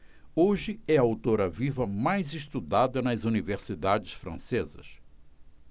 hoje é a autora viva mais estudada nas universidades francesas